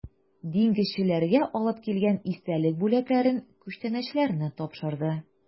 Диңгезчеләргә алып килгән истәлек бүләкләрен, күчтәнәчләрне тапшырды.